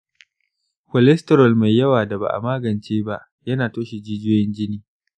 cholesterol mai yawa da ba'a magance ba ya na toshe jijiyoyin jini